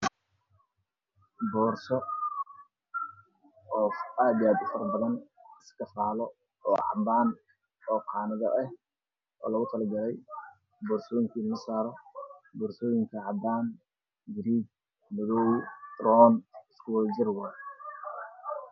Halkaan waxaa ka muuqdo iska faalo ay saaran yihiin boorsooyin kala duwan sida cadaan, cadays, madaw iyo qaxwi